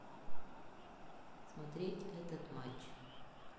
смотреть этот матч